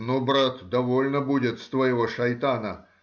— Ну, брат, довольно будет с твоего шайтана